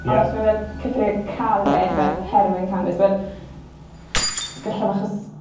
A sa fe fel cyffurie caled fel Heroin canabis wel gallaf achos